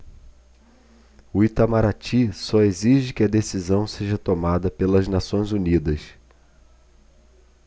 o itamaraty só exige que a decisão seja tomada pelas nações unidas